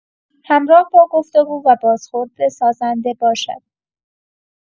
همراه با گفت‌وگو و بازخورد سازنده باشد.